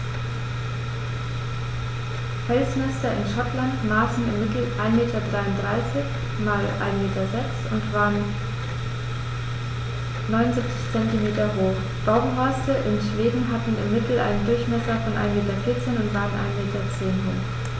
Felsnester in Schottland maßen im Mittel 1,33 m x 1,06 m und waren 0,79 m hoch, Baumhorste in Schweden hatten im Mittel einen Durchmesser von 1,4 m und waren 1,1 m hoch.